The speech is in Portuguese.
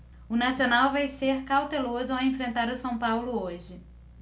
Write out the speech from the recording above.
o nacional vai ser cauteloso ao enfrentar o são paulo hoje